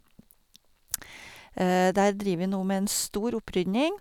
Der driver vi nå med en stor opprydning.